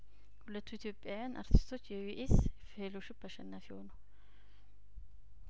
ሁለት ኢትዮጵያውያን አርቲስቶች የዩኤስ ፌሎው ሺፕ አሸናፊ ሆኑ